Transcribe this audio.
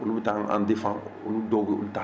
Olu bɛ taa an tɛ olu dɔw bɛ u da